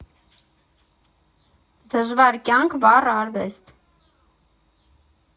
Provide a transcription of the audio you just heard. Դժվար կյանք, վառ արվեստ։